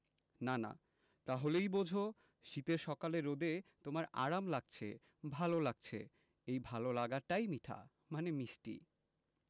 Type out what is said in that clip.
নানা তা হলেই বোঝ শীতের সকালে রোদে তোমার আরাম লাগছে ভালো লাগছে এই ভালো লাগাটাই মিঠা মানে মিষ্টি